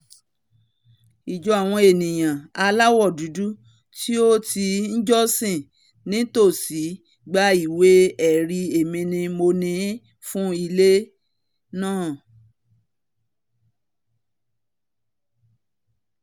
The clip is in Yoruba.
Ìjọ àwọn eniyan aláwọ dúdú tí o ti ńjọsin nítòsí gba ìwé-ẹrí èmi-ni-mo-ni fún ilé náà.